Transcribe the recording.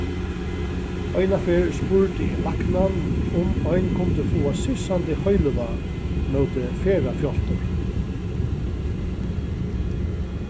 einaferð spurdi eg læknan um ein kundi fáa sissandi heilivág móti ferðafjáltur